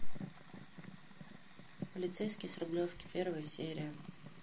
полицейский с рублевки первая серия